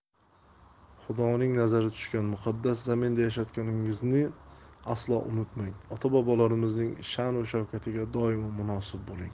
xudoning nazari tushgan muqaddas zaminda yashayotganingizni aslo unutmang ota bobolarimizning sha'nu shavkatiga doimo munosib bo'ling